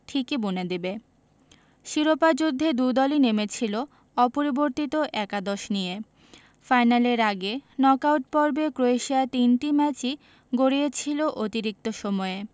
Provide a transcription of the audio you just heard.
ঠিকই বুনে দেবে শিরোপা যুদ্ধে দু দলই নেমেছিল অপরিবর্তিত একাদশ নিয়ে ফাইনালের আগে নকআউট পর্বে ক্রোয়েশিয়ার তিনটি ম্যাচই গড়িয়েছিল অতিরিক্ত সময়ে